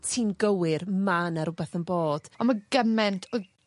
ti'n gywir ma' 'na rwbeth yn bod. On' ma' gyment o